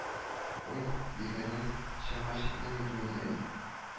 Уй дигәнең чама-чикне белми, әй